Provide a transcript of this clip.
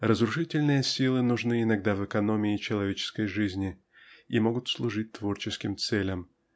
Разрушительные силы нужны иногда в экономии человеческой жизни и могут служить творческим целям